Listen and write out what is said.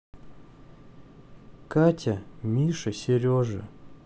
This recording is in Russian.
катя миша сережа